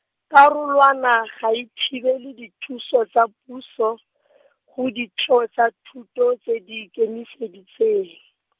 karolwana ga e thibele dithuso tsa puso , go ditheo tsa thuto tse di ikeme se di tse .